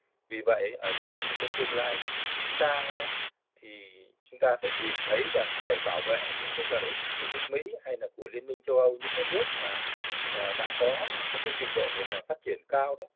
vì vậy ở trong một cái tương lai xa đó thì chúng ta phải nhìn thấy rằng để bảo vệ những cái lợi ích của nước mỹ hay là của liên minh châu âu những cái nước mà ờ đã có một cái trình độ mà phát triển cao đó